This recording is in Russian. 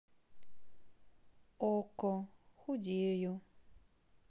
окко худею